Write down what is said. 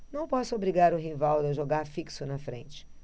não posso obrigar o rivaldo a jogar fixo na frente